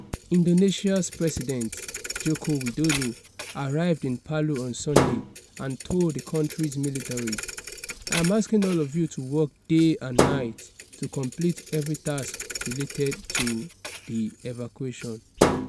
Indonesia's President Joko Widodo arrived in Palu on Sunday and told the country's military: "I am asking all of you to work day and night to complete every tasks related to the evacuation.